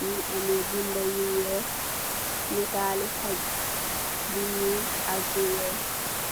nyugi ameh benda yu weex netali haag bu nuul ak bu weex.